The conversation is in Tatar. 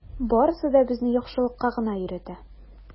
Барысы да безне яхшылыкка гына өйрәтә.